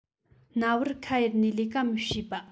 ན བར ཁ གཡར ནས ལས ཀ མི བྱེད པ